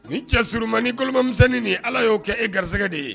Nin cɛ surunmani ni kolomanmisɛnnin ni ala y'o kɛ e garisɛgɛ de ye